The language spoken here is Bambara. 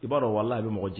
I b'a dɔn walahi a bɛ mɔgɔ ji